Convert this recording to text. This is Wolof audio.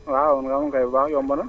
waaw moom kay bu baax yomb na